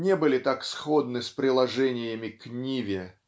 не были так сходны с приложениями к "Ниве"